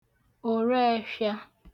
òreẹ̄fhị̄ā